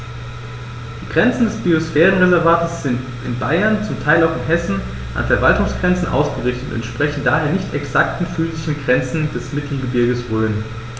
Die Grenzen des Biosphärenreservates sind in Bayern, zum Teil auch in Hessen, an Verwaltungsgrenzen ausgerichtet und entsprechen daher nicht exakten physischen Grenzen des Mittelgebirges Rhön.